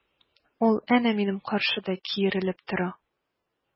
Ул әнә минем каршыда киерелеп тора!